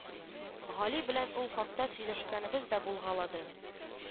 Гали белән ул хакта сөйләшкәнебез дә булгалады